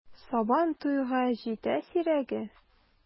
Сабан туйга җитә сирәге!